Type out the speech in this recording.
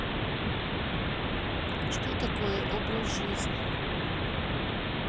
что такое образ жизни